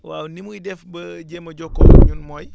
waaw ni muy def ba jéem a jokkoo ak ñun mooy